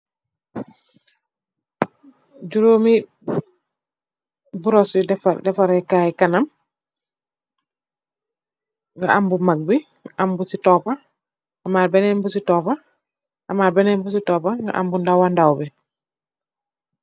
Juroomi brush yu defaray kanam nga am bu maag bi am bu si topa amat menen busi topa amat benen busi topa nga am bu ndawadaw bi.